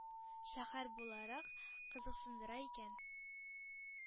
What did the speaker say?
Шәһәр буларак кызыксындыра икән.